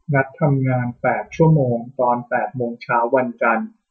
นัดทำงานแปดชั่วโมงตอนแปดโมงเช้าวันจันทร์